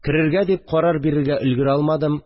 Керергә дип карар бирергә өлгерә алмадым